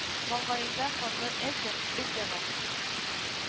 Маңгаенда канлы эз дә эз дә бар